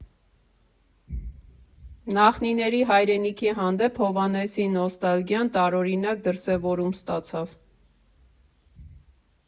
Նախնիների հայրենիքի հանդեպ Հովհաննեսի նոստալգիան տարօրինակ դրսևորում ստացավ.